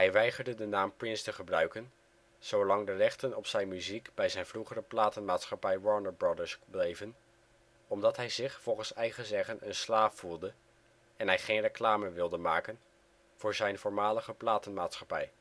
weigerde de naam Prince te gebruiken zolang de rechten op zijn muziek bij zijn vroegere platenmaatschappij Warner Brothers bleven, omdat hij zich volgens eigen zeggen een slaaf voelde en hij geen reclame wilde maken voor zijn voormalige platenmaatschappij